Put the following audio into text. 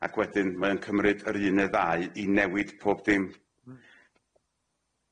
ac wedyn mae o'n cymryd yr un ne' ddau i newid pob dim.